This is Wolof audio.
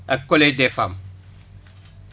ak collège des femmes